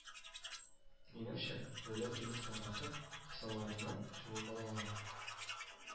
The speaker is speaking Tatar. Минемчә, дәүләт белем стандарты кысаларыннан чыгу балалар